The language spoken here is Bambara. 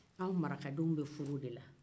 an marakadenw bɛ furu o de la